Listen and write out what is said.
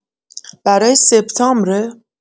برای سپتامبره؟